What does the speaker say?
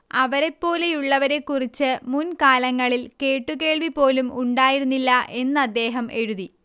അവരെപ്പോലെയുള്ളവരെക്കുറിച്ച് മുൻകാലങ്ങളിൽ കേട്ടുകേൾവി പോലും ഉണ്ടായിരുന്നില്ല എന്ന് അദ്ദേഹം എഴുതി